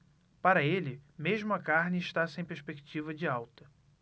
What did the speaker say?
para ele mesmo a carne está sem perspectiva de alta